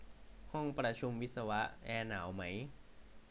ห้องประชุมวิศวะแอร์หนาวมั้ย